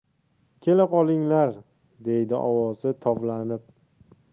kela qolinglar deydi ovozi tovlanib